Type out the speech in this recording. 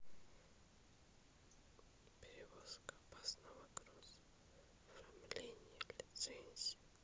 перевозка опасного груза оформление лицензии